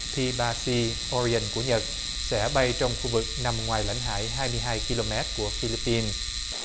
thi ba xi o ri ừn của nhật sẽ bay trong khu vực nằm ngoài lãnh hải hai mươi hai ki lô mét của phi líp pin